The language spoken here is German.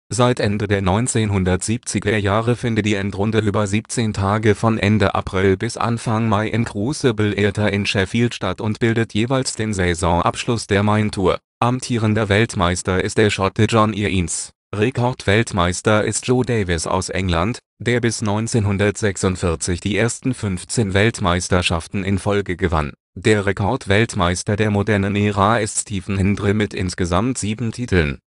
Seit Ende der 1970er-Jahre findet die Endrunde über 17 Tage von Ende April bis Anfang Mai im Crucible Theatre in Sheffield statt und bildet jeweils den Saisonabschluss der Main Tour. Amtierender Weltmeister ist der Schotte John Higgins. Rekordweltmeister ist Joe Davis aus England, der bis 1946 die ersten 15 Weltmeisterschaften in Folge gewann. Der Rekordweltmeister der modernen Ära ist Stephen Hendry mit insgesamt sieben Titeln